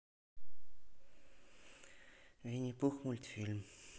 винни пух мультфильм